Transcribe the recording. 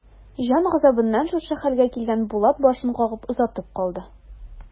Җан газабыннан шушы хәлгә килгән Булат башын кагып озатып калды.